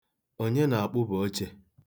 Onye na-akpụba oche?